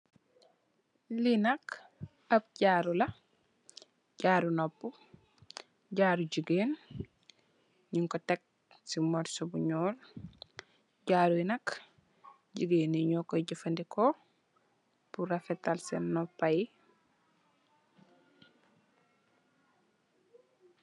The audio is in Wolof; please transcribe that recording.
Lii nak ab jaaru la, jaaru noppu, jaaru jigeen, nyun teg si morso bu nyuul, jaaru yi nak jigeen yi nyo koy jafandiko, pur rafatal sen noppu yi.